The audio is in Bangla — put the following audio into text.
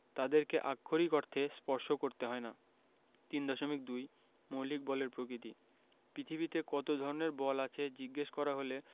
তাদেরকে আক্ষরিক অর্থে স্পর্শ করতে হয় না ৩.২ মৌলিক বলের প্রকৃতি পৃথিবীতে কত ধরনের বল আছে জিজ্ঞেস করা হলে